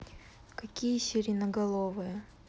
какие сиреноголовые